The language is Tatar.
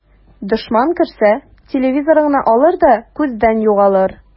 Дошман керсә, телевизорыңны алыр да күздән югалыр.